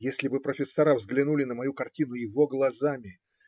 Если бы профессора взглянули на мою картину его глазами!